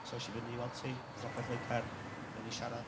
so es i fyny i weld hi yng Ngogledd Lloegar, fuon ni siarad